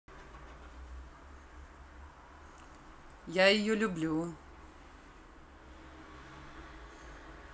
я ее люблю